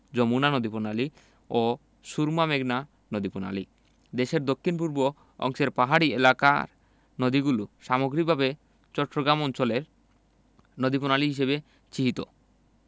যমুনা নদীপ্রণালী ও সুরমা মেঘনা নদীপ্রণালী দেশের দক্ষিণ পূর্ব অংশের পাহাড়ী এলাকার নদীগুলো সামগ্রিকভাবে চট্টগ্রাম অঞ্চলের নদীপ্রণালী হিসেবে চিহ্নিত